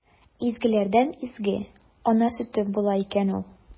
Изгеләрдән изге – ана сөте була икән ул!